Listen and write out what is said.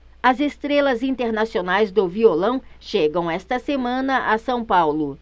as estrelas internacionais do violão chegam esta semana a são paulo